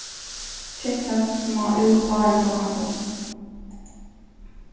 kekkast má út áðrenn klokkan tólv